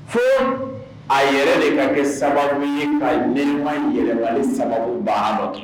Fo a yɛrɛ de ka kɛ sababu ye ka ne yɛlɛwale sababu ba dɔ kɛ